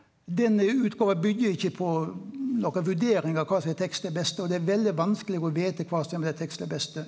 denne utgåva byggjer ikkje på nokon vurderingar av kva som er tekstleg best og det er veldig vanskeleg å vite kva som er det tekstleg beste.